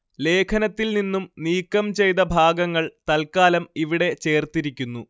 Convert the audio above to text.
ലേഖനത്തില്‍ നിന്നും നീക്കം ചെയ്ത ഭാഗങ്ങള്‍ തല്‍ക്കാലം ഇവിടെ ചേര്‍ത്തിരിക്കുന്നു